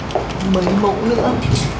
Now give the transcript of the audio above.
mấy mẫu nữa